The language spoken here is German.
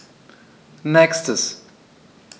Nächstes.